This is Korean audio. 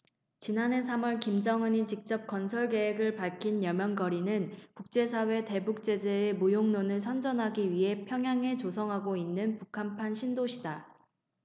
지난해 삼 월 김정은이 직접 건설 계획을 밝힌 려명거리는 국제사회 대북 제재의 무용론을 선전하기 위해 평양에 조성하고 있는 북한판 신도시다